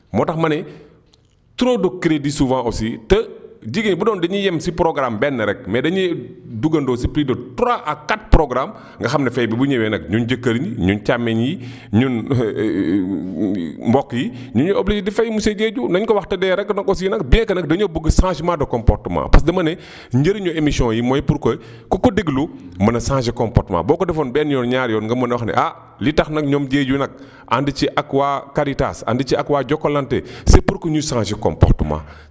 moo tax ma ne trop de crédit souvent aussi te jigéen bu doon dañuy yam si programme benn rekk mais dañuy duggandoo si plus de trois à quatre programmes nga xam ne fay bi bu ñëwee nag ñun jëkkër yi ñun càmmeñ yi ñun mbokk yi ñun ñooy obligé di fay monsieur Diedhiou na ñu ko wax te dee rekk te nag aussi nag bien que nag dañoo bëgg changement de comportement parce que dama ne njariñu émissions yi mooy pour que ku ko déglu mën a changer comportement boo ko defoon benn yoon ñaari yoon nga mën a wax ni ah li tax nag ñoom Diedhiou nag ànd ci ak waa Caritas ànd ci ak waa Jokalante c' est pour que ñu changer comportement